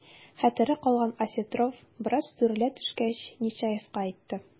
Хәтере калган Осетров, бераз сүрелә төшкәч, Нечаевка әйтте: